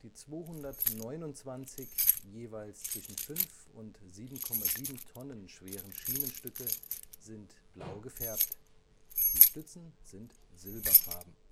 229 jeweils zwischen 5 und 7,7 Tonnen schweren Schienenstücke sind blau gefärbt; die Stützen sind silberfarben